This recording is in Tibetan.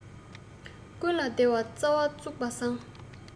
ཀུན ལ བདེ བའི རྩ བ བཙུགས པ བཟང